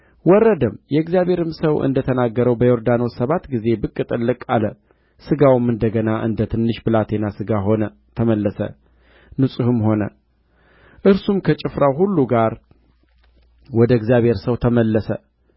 ባሪያዎቹም ቀርበው አባት ሆይ ነቢዩ ታላቅ ነገርስ እንኳ ቢነግርህ ኖሮ ባደረግኸው ነበር ይልቁንስ ታጠብና ንጹሕ ሁን ቢልህ እንዴት ነዋ ብለው ተናገሩት